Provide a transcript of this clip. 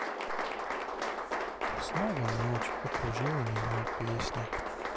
снова ночь окружила меня песня